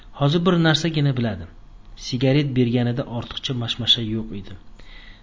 xozir bir narsanigina biladi sigaret berganida ortiqcha mashmasha yo'q edi